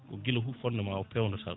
ko guila hu fondement o pewnata